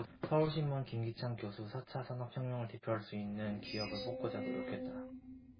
서울신문 김기찬 교수 사 차 산업혁명을 대표할 수 있는 기업을 뽑고자 노력했다